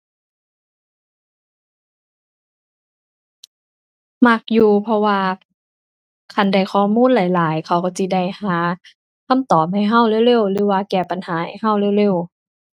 มักอยู่ เพราะว่าคันได้ข้อมูลหลายหลายเขาก็สิได้หาคำตอบให้ก็เร็วเร็ว หรือว่าแก้ปัญหาให้ก็เร็วเร็ว